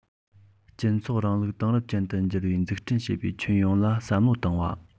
སྤྱི ཚོགས རིང ལུགས དེང རབས ཅན དུ འགྱུར བའི འཛུགས སྐྲུན བྱེད པའི ཁྱོན ཡོངས ལ བསམ བློ བཏང བ